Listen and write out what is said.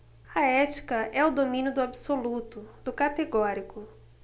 a ética é o domínio do absoluto do categórico